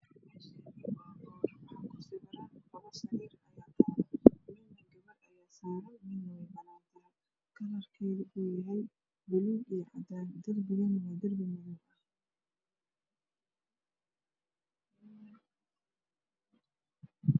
Meeshaani waa boor waxaa ku sawiran kalarkeedu yahay buluug cadaan darbiga waa cadaan